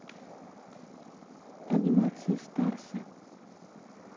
анимации старса